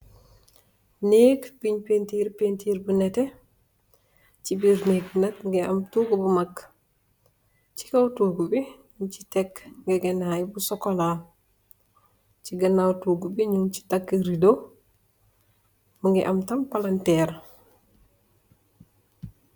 Nèk buñ penter, penter bu netteh ci biir nèk bi nak mugii am tohgu bu mak ci kaw tohgu bi ñing ci tek ngegenai bu sokola ci ganaw tohgu bi ñing ci taka rido mugii am yitam palanterr.